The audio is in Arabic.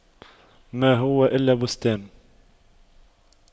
ما هو إلا بستان